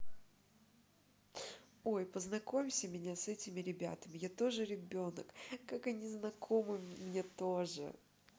ой познакомься меня с этими ребятами я же тоже ребенок как они знакомы мне тоже